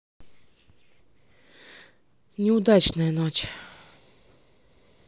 неудачная ночь